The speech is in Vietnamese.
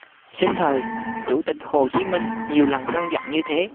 sinh thời chủ tịch hồ chí minh nhiều lần căn dặn như thế